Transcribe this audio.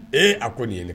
Ee a ko nin ye